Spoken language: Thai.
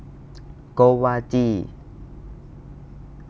โกวาจี